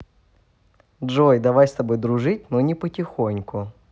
джой давай с тобой дружить но не потихоньку